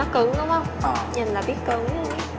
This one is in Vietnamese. cứng đúng hong nhìn là biết cứng